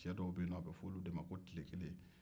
cɛ dɔ bɛ yennɔ a bɛ fɔ olu de ma ko tilekelen